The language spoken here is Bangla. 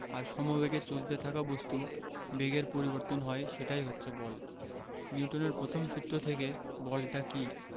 আর সমবেগে চলতে থাকা বস্তুর বেগের পরিবর্তন হয় সেটাই হচ্ছে বল নিউটনের প্রথম সূত্র থেকে বলটা কী